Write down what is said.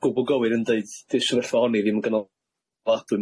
gwbwl gywir yn deud 'di'r sefyllfa ohoni ddim yn gynaladwy